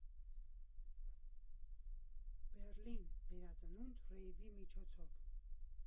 Բեռլին Վերածնունդ ռեյվի միջոցով։